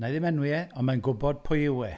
Wnai ddim enwi e, ond mae'n gwybod pwy yw e.